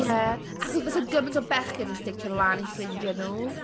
Ie. Achos byse gymaint o bechgyn yn sticio lan i ffrindiau nhw.